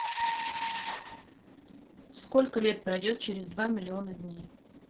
сколько лет пройдет через два миллиона дней